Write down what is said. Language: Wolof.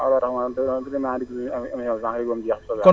looloo tax mane na dugg ci li bala muy jeex